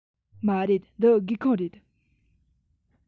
མ རེད འདི སྒེའུ ཁུང རེད